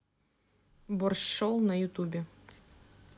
борщ шоу на ютюбе